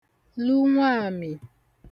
lụ nwamì